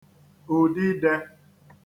ùdidē